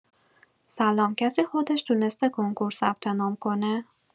سلام کسی خودش تونسته کنکور ثبت‌نام کنه؟